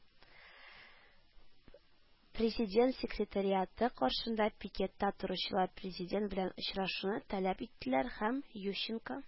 Президент секретариаты каршында пикетта торучылар президент белән очрашуны таләп итәләр һәм «Ющенко